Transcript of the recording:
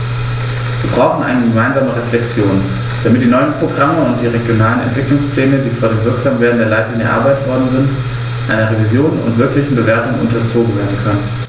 Wir brauchen eine gemeinsame Reflexion, damit die neuen Programme und die regionalen Entwicklungspläne, die vor dem Wirksamwerden der Leitlinien erarbeitet worden sind, einer Revision und wirklichen Bewertung unterzogen werden können.